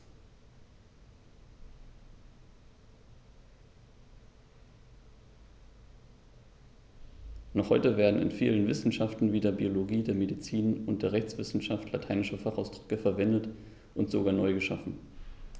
Noch heute werden in vielen Wissenschaften wie der Biologie, der Medizin und der Rechtswissenschaft lateinische Fachausdrücke verwendet und sogar neu geschaffen.